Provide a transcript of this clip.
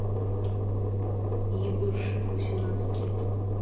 егор шип восемнадцать лет